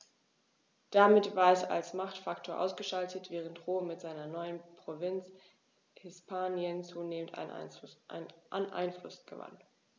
Damit war es als Machtfaktor ausgeschaltet, während Rom mit seiner neuen Provinz Hispanien zunehmend an Einfluss gewann.